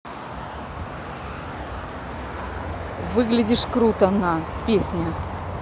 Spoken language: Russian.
выглядишь круто на песня